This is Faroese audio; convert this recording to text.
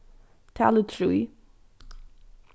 talið trý